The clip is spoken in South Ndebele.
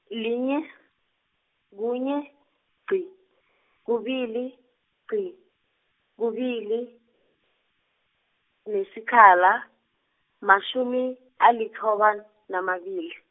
linye, kunye, gqi, kubili, gqi, kubili, nesikhala, matjhumi, alithoba namabili.